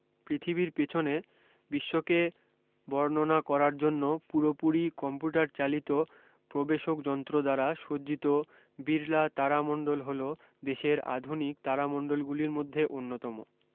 পৃথিবীর পিছনে বিশ্বকে বরণনা করার জন্য পুরোপুরি কম্পুটারচালিত প্রবেশক যন্ত্র দ্বারা সজ্জিত বিড়লা তারামন্ডল হল দেশের আধুনিক তারামন্ডলগুলির মধ্যে অন্যতম